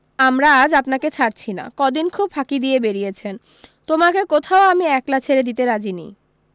আমরা আজ আপনাকে ছাড়ছি না কদিন খুবি ফাঁকি দিয়ে বেড়িয়েছেন তোমাকে কোথাও আমি একলা ছেড়ে দিতে রাজি নি